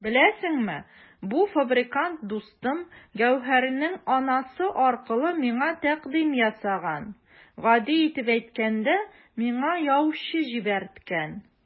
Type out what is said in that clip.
Беләсеңме, бу фабрикант дустым Гәүһәрнең анасы аркылы миңа тәкъдим ясаган, гади итеп әйткәндә, миңа яучы җибәрткән!